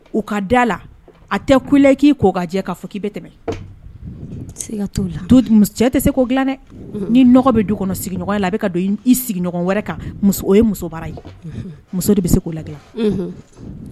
U ka da la a tɛ kulɛ k'i k' ka'a fɔ k'i bɛ tɛmɛ cɛ tɛ se k'o dila dɛ ni bɛ don kɔnɔ sigiɲɔgɔn la bɛ don i sigiɲɔgɔn wɛrɛ kan o ye musobara ye muso de bɛ se k' labɛn